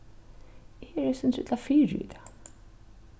eg eri eitt sindur illa fyri í dag